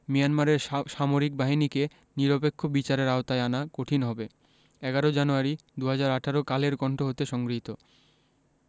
মিয়ানমারের সা সামরিক বাহিনীকে নিরপেক্ষ বিচারের আওতায় আনা কঠিন হবে ১১ জানুয়ারি ২০১৮ কালের কন্ঠ হতে সংগৃহীত